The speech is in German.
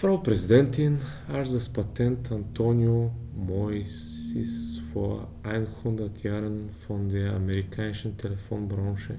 Frau Präsidentin, als das Patent Antonio Meuccis vor einhundert Jahren von der amerikanischen Telefonbranche